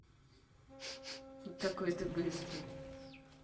какой ты быстрый